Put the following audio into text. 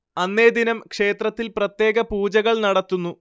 അന്നേ ദിനം ക്ഷേത്രത്തിൽ പ്രത്യേക പൂജകൾ നടത്തുന്നു